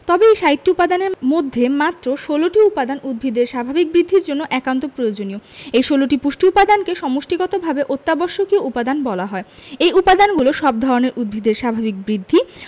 তবে এই ৬০টি উপাদানের মধ্যে মাত্র ১৬টি উপাদান উদ্ভিদের স্বাভাবিক বৃদ্ধির জন্য একান্ত প্রয়োজনীয় এ ১৬টি পুষ্টি উপাদানকে সমষ্টিগতভাবে অত্যাবশ্যকীয় উপাদান বলা হয় এই উপাদানগুলো সব ধরনের উদ্ভিদের স্বাভাবিক বৃদ্ধি